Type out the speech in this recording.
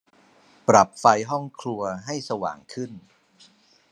ปรับไฟห้องครัวให้สว่างขึ้น